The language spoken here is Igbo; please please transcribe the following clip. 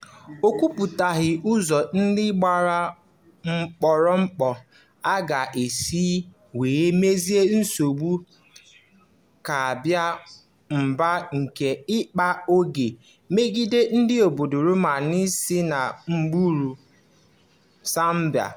O kwupụtaghị ụzọ ndị gbara ọkpụrụkpụ a ga-esi wee mezie nsogbu ka baa ụba nke ịkpa oke megide ndị obodo Roma si n'agbụru Serbia.